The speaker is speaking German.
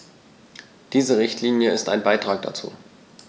Diese Richtlinie ist ein Beitrag dazu.